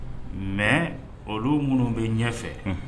Mais olu minnu bɛ ɲɛfɛ, unhun.